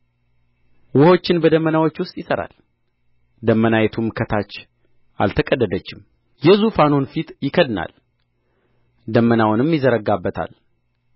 ውኆችን በደመናዎቹ ውስጥ ያስራል ደመናይቱም ከታች አልተቀደደችም የዙፋኑን ፊት ይከድናል ደመናውንም ይዘረጋበታል